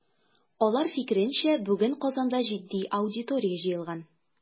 Алар фикеренчә, бүген Казанда җитди аудитория җыелган.